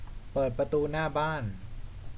เปิดประตูหน้าบ้าน